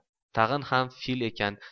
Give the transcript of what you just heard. tag'in ham fil ekan